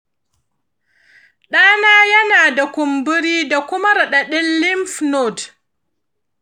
ɗana yana da kumburi da kuma raɗaɗin lymph node.